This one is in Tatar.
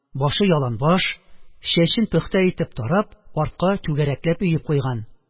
Башы яланбаш, чәчен пөхтә итеп тарап, артка түгәрәкләп өеп куйган